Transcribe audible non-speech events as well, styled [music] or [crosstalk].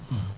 [hesitation] [hesitation]